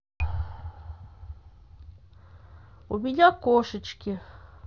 у меня кошечки